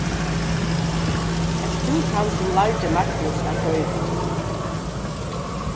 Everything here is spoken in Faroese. ert tú tann sum lærdi magnus at koyra